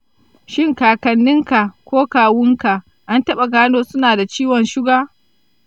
shin kakan ninka ko kawunka an taba gano sunada ciwon suga?